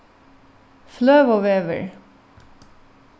fløguvegur